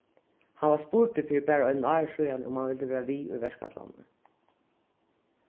hann varð spurdur fyri bara einum ári síðani um hann vildi vera við í verkætlanini